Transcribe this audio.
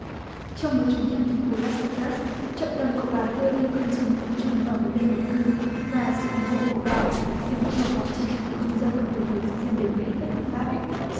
trong một chuyến thăm thành phố lát vê gát trọng tâm của bà hi la ri cờ lin tơn tập trung vào vấn đề nhập cư và sự ủng hộ của bà dành cho quá trình trở thành công dân của nhiều di dân đến mỹ bất hợp pháp